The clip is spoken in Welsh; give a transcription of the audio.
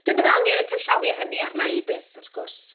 dim byddai angen y canllawiau hynny arna i byth wrth gwrs,